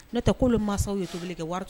N'o tɛ k'olu mansaw ye tobili kɛ wari